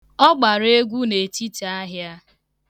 Ọ gbara egwu n'etiti ahịa.